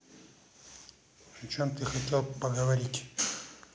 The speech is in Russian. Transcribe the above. о чем ты хотел поговорить